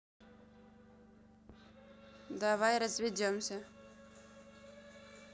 давай разведемся